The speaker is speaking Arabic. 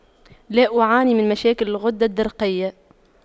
لا أعاني من مشاكل الغدة الدرقية